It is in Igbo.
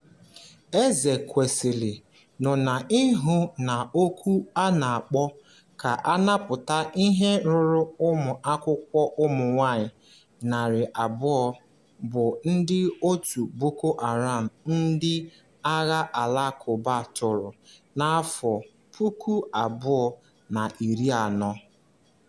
Ezekwesili nọ n'ihu n'oku a na-akpọ ka a napụta ihe ruru ụmụ akwụkwọ ụmụ nwaanyị 200 bụ ndị òtù Boko Haram ndị agha alakụba tọọrọ n'afọ 2014.